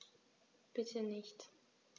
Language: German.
Bitte nicht.